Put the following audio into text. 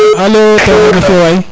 alo tewo xe na fiyo waay